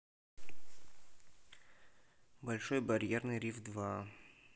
большой барьерный риф два